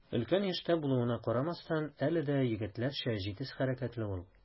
Өлкән яшьтә булуына карамастан, әле дә егетләрчә җитез хәрәкәтле ул.